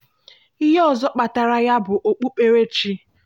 Ihe ọzọ kpatara ya bụ okpukperechi.